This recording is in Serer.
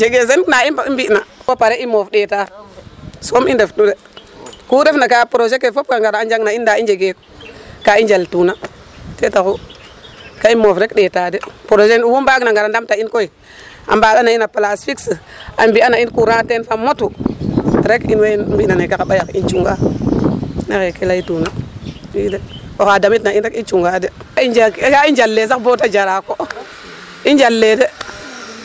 I njegee sen na i mbi'na ku refna kay projet ke a njangna in ndaa i njegee ka i njaltuna ten taxu ga i mof rek ɗeetaa de projet o wu mbaagna ngar a ndamta in koy a mbaaɗan a in a place fixe a mbi'an a in courant fa motu rek ii wo mbi'na neke xa ɓay axe in cunga ne xeeke laytuna ii de. Oxa damitna in rek i cunga de ga i njalee sax bo ta jara ko i njalee de